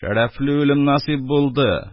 Шәрәфле үлем насыйп булды,